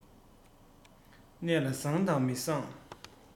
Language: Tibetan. གནས ལ བཟང དང མི བཟང